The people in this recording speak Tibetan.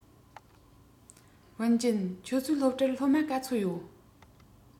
ཝུན ཅུན ཁྱོད ཚོའི སློབ གྲྭར སློབ མ ག ཚོད ཡོད